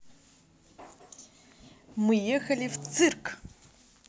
мы ехали в цирк